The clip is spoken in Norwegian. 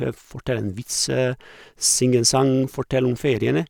Fortell en vits, Syng en sang, Fortell om feriene.